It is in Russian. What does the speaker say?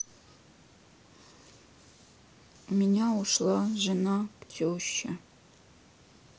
у меня ушла жена к теще